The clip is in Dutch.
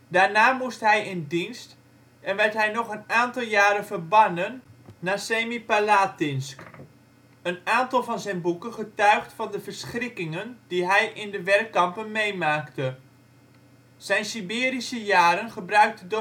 Daarna moest hij in dienst en werd hij nog een aantal jaren verbannen naar Semipalatinsk. Een aantal van zijn boeken getuigt van de verschrikkingen die hij in de werkkampen meemaakte. Zijn Siberische jaren gebruikte